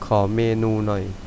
ขอเมนูหน่อย